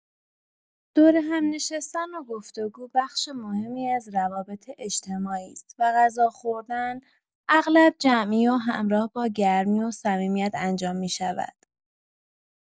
دور هم نشستن و گفتگو بخش مهمی از روابط اجتماعی است و غذا خوردن اغلب جمعی و همراه با گرمی و صمیمیت انجام می‌شود.